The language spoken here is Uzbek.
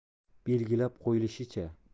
belgilab qo'yilishicha